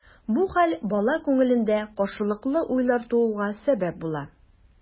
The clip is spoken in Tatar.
Бу хәл бала күңелендә каршылыклы уйлар тууга сәбәп була.